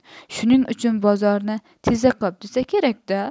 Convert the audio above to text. shuning uchun bozorni tezakop desa kerak da